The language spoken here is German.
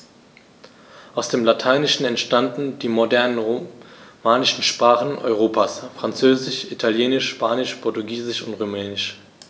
Aus dem Lateinischen entstanden die modernen „romanischen“ Sprachen Europas: Französisch, Italienisch, Spanisch, Portugiesisch und Rumänisch.